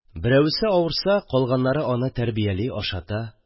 Берәүсе авырса, калганнары аны тәрбияли, ашата.